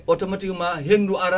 automatiquement hendu ara